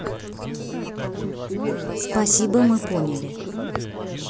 спасибо мы поняли